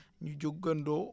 ñu jugandoo